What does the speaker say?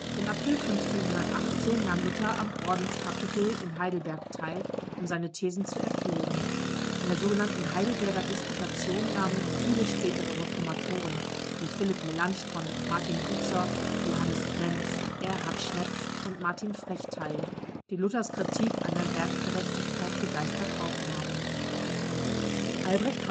Im April 1518 nahm Luther am Ordenskapitel in Heidelberg teil, um seine Thesen zu erklären. An der „ Heidelberger Disputation “nahmen viele spätere Reformatoren (wie Philipp Melanchthon, Martin Bucer, Johannes Brenz, Erhard Schnepf und Martin Frecht) teil, die Luthers Kritik an der Werkgerechtigkeit begeistert aufnahmen. Albrecht